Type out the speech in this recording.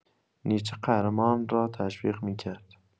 نیچه قهرمان را تشویق می‌کرد.